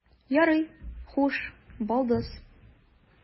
Ярый, хуш, балдыз.